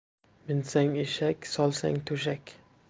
minsang eshak solsang to'shak